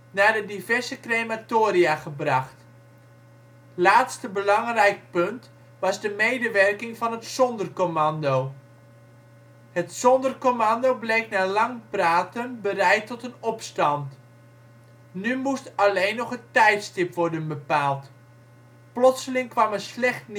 naar de diverse crematoria gebracht. Laatste belangrijk punt was de medewerking van het Sonderkommando. Het Sonderkommando bleek na lang praten bereid tot een opstand. Nu moest alleen nog het tijdstip worden bepaald. Plotseling kwam er slecht nieuws